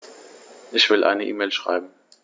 Ich will eine E-Mail schreiben.